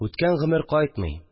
Үткән гомер кайтмый!